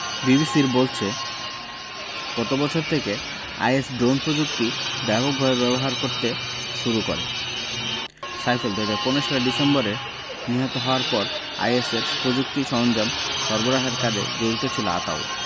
বিবিসির বলছে গত বছর থেকে আইএস ড্রোন প্রযুক্তি ব্যাপকভাবে ব্যবহার করতে শুরু করে সাইফুল ২০১৫ সালের ডিসেম্বরে নিহত হওয়ার পর আইএসের প্রযুক্তি সরঞ্জাম সরবরাহের কাজে জড়িত ছিল আতাউল